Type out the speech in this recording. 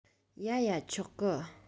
ཡ ཡ ཆོག གི